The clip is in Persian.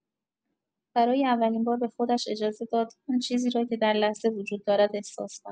برای اولین بار به خودش اجازه داد آن چیزی را که در لحظه وجود دارد احساس کند.